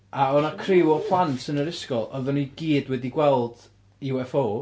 a oedd 'na criw o plant yn yr ysgol a oedden nhw i gyd wedi gweld UFO,